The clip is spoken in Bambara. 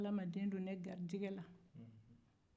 ala ma den don ne garijɛgɛ la